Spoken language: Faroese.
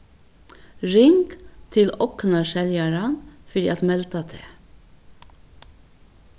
ring til ognarseljaran fyri at melda teg